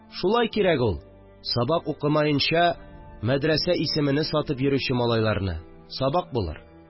Шулай кирәк ул, сабак укымаенча, мәдрәсә исемене сатып йөрүче малайларны! Сабак булыр